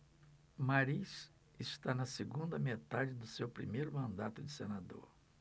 mariz está na segunda metade do seu primeiro mandato de senador